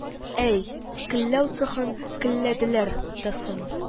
Әй, көлләү цехын көлләделәр дә соң